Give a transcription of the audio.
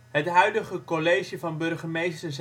Het huidige college van burgemeester